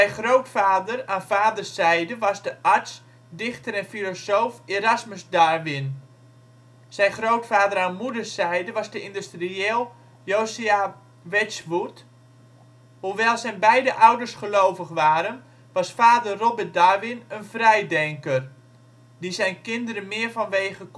grootvader aan vaders zijde was de arts, dichter en filosoof Erasmus Darwin (1731-1802); zijn grootvader aan moeders zijde was de industrieel Josiah Wedgwood (1730-1795). Hoewel zijn beide ouders gelovig waren, was vader Robert Darwin een vrijdenker, die zijn kinderen meer vanwege